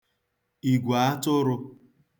ìgwè atụrụ̄